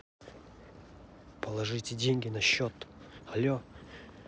положите деньги на счет алле